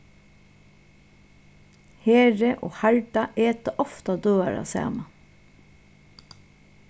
heri og harda eta ofta døgurða saman